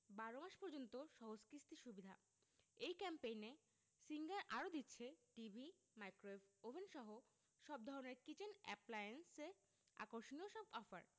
১২ মাস পর্যন্ত সহজ কিস্তি সুবিধা এই ক্যাম্পেইনে সিঙ্গার আরো দিচ্ছে টিভি মাইক্রোওয়েভ ওভেনসহ সব ধরনের কিচেন অ্যাপ্লায়েন্সে আকর্ষণীয় সব অফার